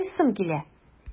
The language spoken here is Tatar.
Карыйсым килә!